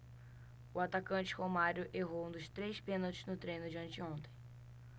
o atacante romário errou um dos três pênaltis no treino de anteontem